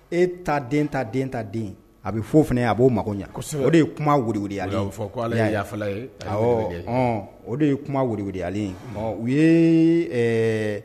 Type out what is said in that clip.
E ta den ta den ta den a bɛ fo fana a b'o ɲɛ o de ye kumaya o de ye kuma ye u ye